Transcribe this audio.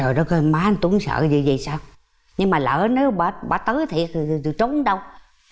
giời đất ơi má anh tuấn sợ cái gì dậy sao nhưng mà lỡ nếu bà bà tới thiệt thì trốn đâu